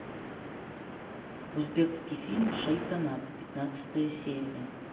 узбекский фильм шайтанат пятнадцатая серия